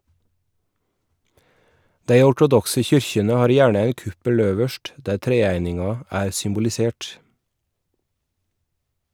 Dei ortodokse kyrkjene har gjerne ein kuppel øverst, der treeininga er symbolisert.